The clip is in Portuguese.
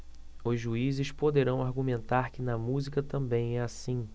os juízes poderão argumentar que na música também é assim